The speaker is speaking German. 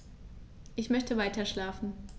Ich möchte weiterschlafen.